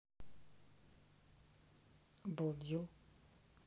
обалдел